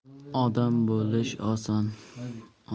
odam bo'lish oson